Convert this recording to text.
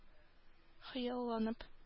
Хыялланып